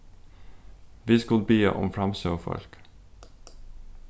vit skulu biðja um framsøgufólk